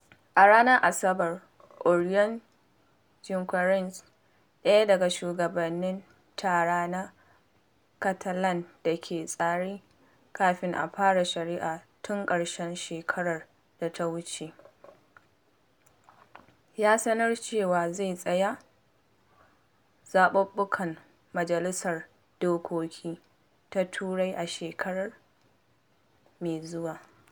A ranar Asabar, Oriol Junqueras, ɗaya daga shugabanni tara na Catalan da ke tsare kafin a fara shari’a tun ƙarshen shekarar da ta wuce, ya sanar cewa zai tsaya zaɓuɓɓukan Majalisar Dokoki ta Turai a shekara mai zuwa.